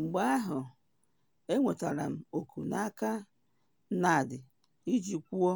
“Mgbe ahụ enwetara m oku n’aka Nad iji kwuo